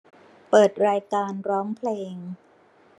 เปิดรายการร้องเพลง